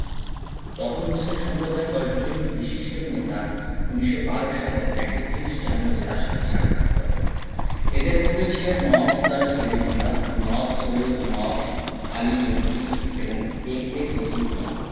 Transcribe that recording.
তখন মুসলিম সম্প্রদায়ের কয়েকজন বিশিষ্ট নেতা ১৯১২ সালের ৩১ জানুয়ারি তাঁর সঙ্গে সাক্ষাৎ করেন এঁদের মধ্যে ছিলেন নওয়াব স্যার সলিমুল্লাহ নওয়াব সৈয়দ নওয়াব আলী চৌধুরী এবং এ.কে ফজলুল হক